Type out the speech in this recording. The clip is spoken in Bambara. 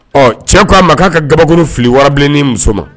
Ɔ cɛ kɔ a ma k'a ka gabakuru fili warabilennin muso ma